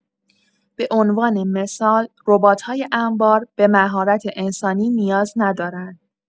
به‌عنوان‌مثال ربات‌های انبار به مهارت انسانی نیاز ندارند.